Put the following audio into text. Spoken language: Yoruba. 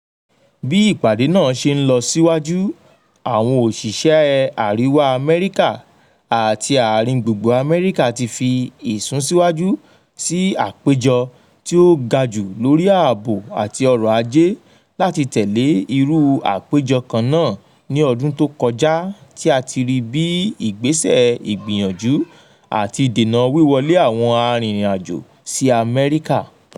Bí ìpàdé náà ṣe ń lọ síwájú, àwọn òṣìṣẹ̀ Àríwà Amẹ́ríkà àti ààrín-gbùgbù Amẹrika ti fi ìsúnsíwájú sí àpéjọ tí ó gajù lóri ààbò àti ọrọ̀ aje làti tẹ̀lé irú àpéjọ kannáà ní ọdún tó kojá tí a tí rí bíi ìgbésẹ̀ ìgbìyànjú láti dènà wíwọlé àwọn arìnrìn-àjò sí Amẹ́ríkà.